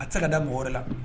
A tɛ se ka da mɔgɔ wɛrɛ la